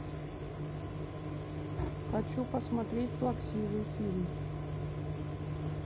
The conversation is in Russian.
хочу посмотреть плаксивый фильм